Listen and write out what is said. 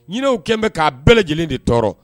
Ɲinɛnw kɛlen bɛ k'a bɛɛ lajɛlen de tɔɔrɔ